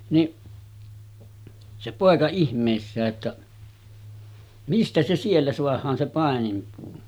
niin se poika ihmeissään että mistä se siellä saadaan se paininpuu